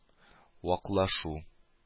Ваклашу